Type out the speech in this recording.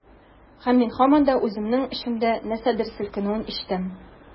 Һәм мин һаман да үземнең эчемдә нәрсәдер селкенүен ишетәм.